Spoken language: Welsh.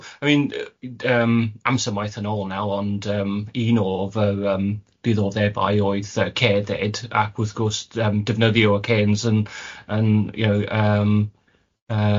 I mean yy yym amser maith yn ôl naw ond yym un o fy yym diddordeb a'i oedd yy cerdded ac wrth gwrs yym defnyddio y cairns yn yn you know yym yym,